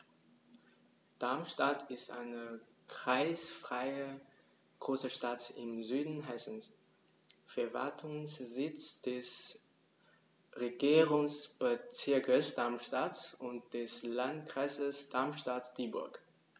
Darmstadt ist eine kreisfreie Großstadt im Süden Hessens, Verwaltungssitz des Regierungsbezirks Darmstadt und des Landkreises Darmstadt-Dieburg.